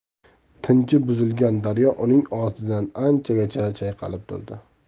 tinchi buzilgan daryo uning ortidan anchagacha chayqalib turdi